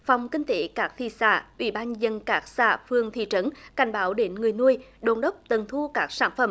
phòng kinh tế các thị xã ủy ban nhân dân các xã phường thị trấn cảnh báo đến người nuôi đôn đốc từng thu các sản phẩm